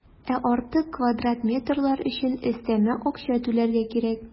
Ә артык квадрат метрлар өчен өстәмә акча түләргә кирәк.